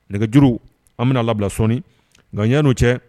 Nɛgɛj an bɛna labila sɔnɔni nka ɲɛ n'o cɛ